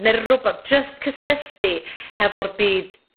ne' rwbeth. Jyst cysylltu hefo'r byd